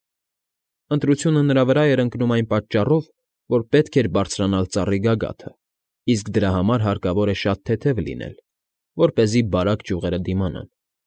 Ընտրությունը նրա վրա էր ընկնում այն պատճառով, որ պետք էր բարձրանալ ծառի գագաթը, իսկ դրա համար հարկավոր է շատ թեթև լինել, որպեսզի բարակ ճյուղերը դիմանան։